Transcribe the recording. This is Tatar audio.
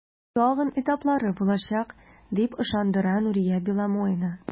Тагын этаплары булачак, дип ышандыра Нурия Беломоина.